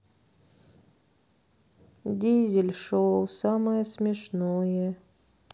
дизель шоу самое смешное